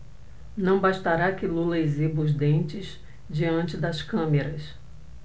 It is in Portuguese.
não bastará que lula exiba os dentes diante das câmeras